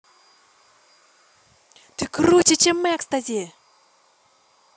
ты круче чем экстази